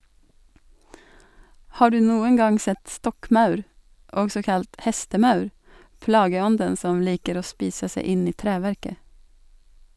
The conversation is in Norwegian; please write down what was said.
Har du noen gang sett stokkmaur, også kalt hestemaur, plageånden som liker å spise seg inn i treverket?